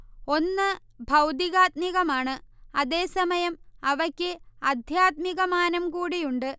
ഒന്ന് ഭൗതികാത്മികമാണ്, അതേസമയം, അവയ്ക്ക് ആധ്യാത്മികമാനം കൂടിയുണ്ട്